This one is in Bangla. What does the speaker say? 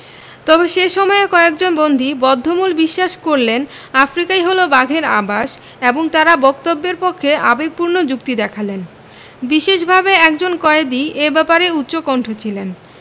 তবে সে সময়ে কয়েকজন বন্দী বদ্ধমূল বিশ্বাস করলেন আফ্রিকাই হলো বাঘের আবাস এবং তারা বক্তব্যের পক্ষে আবেগপূর্ণ যুক্তি দেখালেন বিশেষভাবে একজন কয়েদি এ ব্যাপারে উচ্চকণ্ঠ ছিলেন